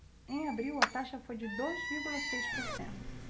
em abril a taxa foi de dois vírgula seis por cento